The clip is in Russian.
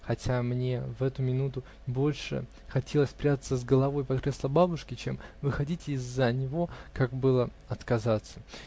Хотя мне в эту минуту больше хотелось спрятаться с головой под кресло бабушки, чем выходить из-за него, как было отказаться?